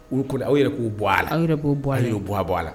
O koni aw yɛrɛ k'o bɔ a la, aw y'o bɔ a la , aw yɛrɛ k'o bɔ bɔ' a la,